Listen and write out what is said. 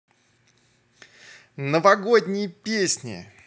новогодние песни